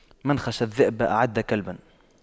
من خشى الذئب أعد كلبا